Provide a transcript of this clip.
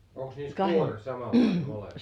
onkos niissä kuoret samanlaista molemmissa